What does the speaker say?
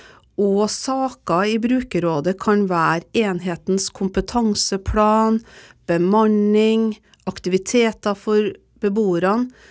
og saker i brukerrådet kan være enhetens kompetanseplan, bemanning, aktiviteter, for beboerne.